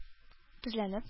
Тезләнеп